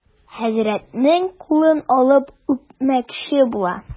Хәзрәтнең кулын алып үпмәкче була.